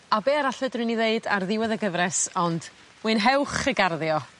A be' arall fedrwn ni ddeud ar ddiwedd y gyfres ond mwynhewch y garddio!